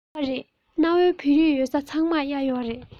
ཡོད རེད གནའ བོའི བོད རིགས ཡོད ས ཚང མར གཡག ཡོད རེད